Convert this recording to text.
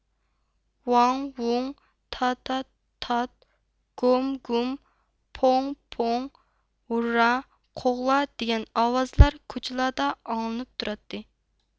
ۋاڭ ۋۇڭ تا تا تات گوم گۇم پوڭ پوڭ ھۇررا قوغلا دىگەن ئاۋازلار كوچىلاردا ئاڭلىنىپ تۇراتتى